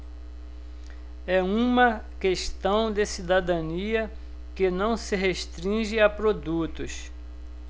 é uma questão de cidadania que não se restringe a produtos